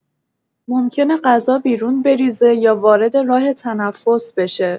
ممکنه غذا بیرون بریزه یا وارد راه تنفس بشه.